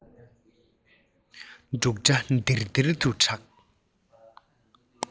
འབྲུག སྒྲ ལྡིར ལྡིར དུ གྲགས